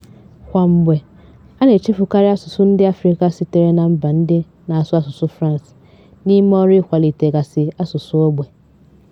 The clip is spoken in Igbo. Kwamgbe, a na-echefukarị asụsụ ndị Afrịka sitere na mba ndị na-asụ asụsụ France n'ime ọrụ ịkwalite gasị asụsụ ogbe.